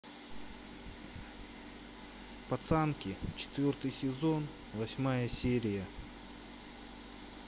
пацанки четвертый сезон восьмая серия